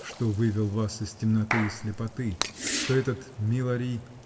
что вывел вас из темноты и слепоты, что этот Милари.